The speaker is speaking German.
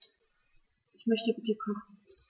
Ich möchte bitte kochen.